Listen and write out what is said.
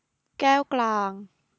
แก้วกลาง